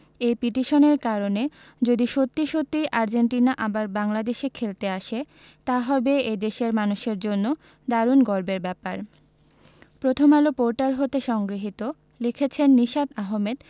এই পিটিশনের কারণে যদি সত্যি সত্যিই আর্জেন্টিনা আবার বাংলাদেশে খেলতে আসে তা হবে এ দেশের মানুষের জন্য দারুণ গর্বের ব্যাপার প্রথমআলো পোর্টাল হতে সংগৃহীত লিখেছেন নিশাত আহমেদ